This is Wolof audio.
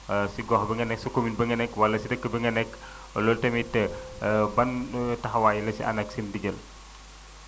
si gox ba nga ne si commune ba nga nekk wala si dëkk ba nga nekk loolu tamit ban taxawaay la si ANACIM di jël